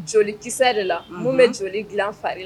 Joli kisɛ de la. Mun bɛ joli gilan fari la